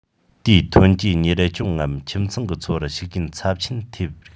དེའི ཐོན སྐྱེད གཉེར སྐྱོང ངམ ཁྱིམ ཚང གི འཚོ བར ཤུགས རྐྱེན ཚབས ཆེན ཐེབས རིགས